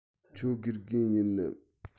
ཁྱོད དགེ རྒན ཡིན ནམ